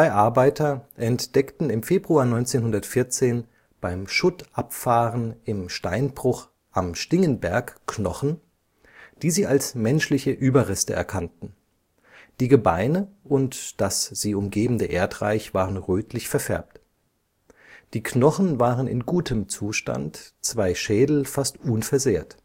Arbeiter entdeckten im Februar 1914 beim Schuttabfahren im Steinbruch „ Am Stingenberg “Knochen, die sie als menschliche Überreste erkannten. Die Gebeine und das sie umgebende Erdreich waren rötlich verfärbt. Die Knochen waren in gutem Zustand, zwei Schädel fast unversehrt